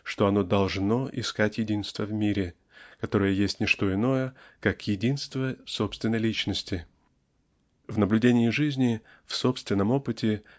что оно должно искать единства в мире которое есть не что иное как единство собственной личности. В наблюдении жизни в собственном опыте